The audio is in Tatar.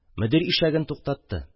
Мөдир ишәген туктатты.